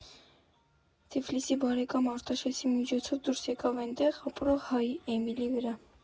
Թիֆլիսի բարեկամ Արտաշեսի միջոցով դուրս եկավ էնտեղ ապրող հայ Էմիլի վրա։